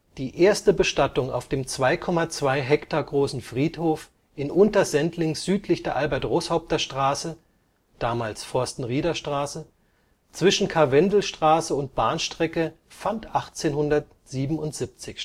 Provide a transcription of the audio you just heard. Die erste Bestattung auf dem 2,2 Hektar großen Friedhof in Untersendling südlich der Albert-Roßhaupter-Straße (damals Forstenrieder Straße), zwischen Karwendelstraße und Bahnstrecke, fand 1877